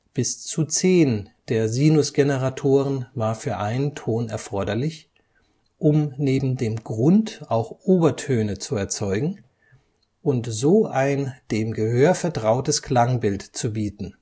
Bis zu zehn der Sinus-Generatoren waren für einen Ton erforderlich, um neben dem Grund - auch Obertöne zu erzeugen, und so ein dem Gehör vertrautes Klangbild zu bieten